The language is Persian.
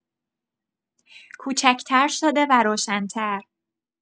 کوچک‌تر شده و روشن‌تر.